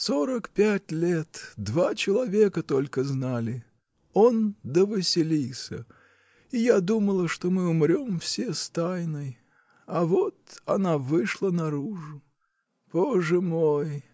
— Сорок пять лет два человека только знали: он да Василиса, и я думала, что мы умрем все с тайной. А вот — она вышла наружу! Боже мой!